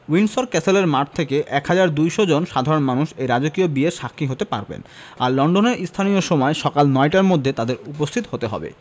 Windsor ক্যাসেলের মাঠ থেকে ১হাজার ২০০ জন সাধারণ মানুষ এই রাজকীয় বিয়ের সাক্ষী হতে পারবেন আর লন্ডনের স্থানীয় সময় সকাল নয়টার মধ্যে তাঁদের উপস্থিত হতে হবে